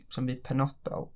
Sna'm byd penodol.